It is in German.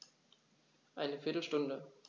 Eine viertel Stunde